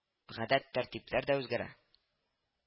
Гадәт-тәртипләр дә үзгәрә